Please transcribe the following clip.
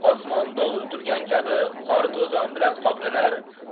osmon dovul turgan kabi qorto'zon bilan qoplanar